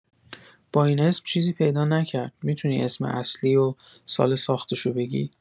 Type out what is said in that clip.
با این اسم چیزی پیدا نکرد می‌تونی اسم اصلی و سال ساختشو بگی؟